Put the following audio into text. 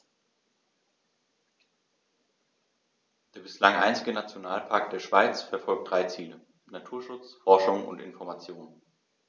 Der bislang einzige Nationalpark der Schweiz verfolgt drei Ziele: Naturschutz, Forschung und Information.